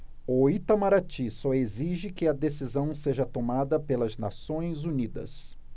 o itamaraty só exige que a decisão seja tomada pelas nações unidas